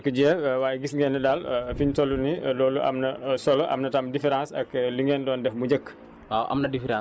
noonu ngeen koy noonu ngeen ko jiyee waaye gis ngeen ne daal fiñ toll nii loolu am na solo am na tam différence ak li ngeen doon def bu njëkk